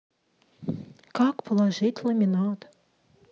как положить ламинат